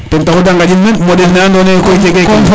ten taxu de ngaƴin men moɗel ne ando naye koy jege kene